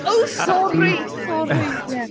O sori! Sori, ie.